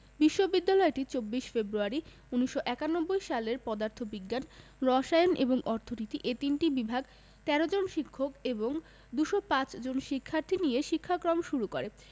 বিশ্ববিদ্যালয়টি ১৪ ফেব্রুয়ারি ১৯৯১ সালে পদার্থ বিজ্ঞান রসায়ন এবং অর্থনীতি এ তিনটি বিভাগ ১৩ জন শিক্ষক এবং ২০৫ জন শিক্ষার্থী নিয়ে শিক্ষাক্রম শুরু করে